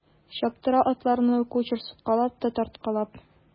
Чаптыра атларны кучер суккалап та тарткалап.